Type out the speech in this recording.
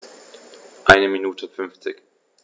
Eine Minute 50